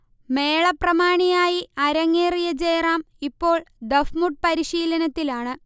മേള പ്രമാണിയായി അരങ്ങേറിയ ജയറാം ഇപ്പോൾ ദഫ്മുട്ട് പരിശിലനത്തിലാണ്